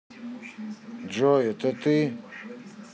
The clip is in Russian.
джой это ты